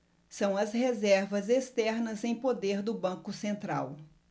são as reservas externas em poder do banco central